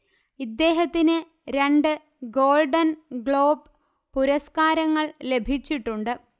ഇദ്ദേഹത്തിന് രണ്ട് golden globe പുരസകാരങ്ങൾ ലഭിച്ചിട്ടുണ്ട്